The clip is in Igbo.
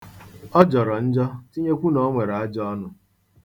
Ọ jọrọ njọ, tinyekwu na o nwere ajọ ọnụ.